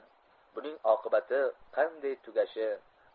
buning oqibati qanday tugashi